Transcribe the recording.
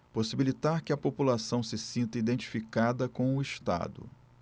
possibilitar que a população se sinta identificada com o estado